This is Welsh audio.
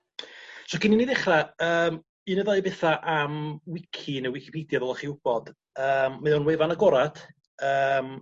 So cyn i ni ddechra yym un neu ddou betha am wici ne' Wicipedia ddylech chi wbod yym mae o'n wefan agorad yym